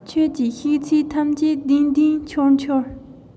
ཁྱོད ཀྱིས བཤད ཚད ཐམས ཅད བདེན བདེན འཆོལ འཆོལ